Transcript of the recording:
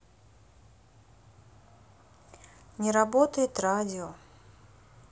не работает радио